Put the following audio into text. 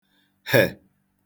hè